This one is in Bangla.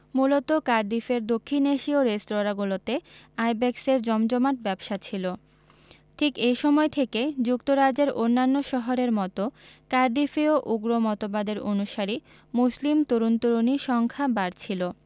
মূলত কার্ডিফের দক্ষিণ এশীয় রেস্তোরাঁগুলোতে আইব্যাকসের জমজমাট ব্যবসা ছিল ঠিক এই সময় থেকেই যুক্তরাজ্যের অন্যান্য শহরের মতো কার্ডিফেও উগ্র মতবাদের অনুসারী মুসলিম তরুণ তরুণীর সংখ্যা বাড়ছিল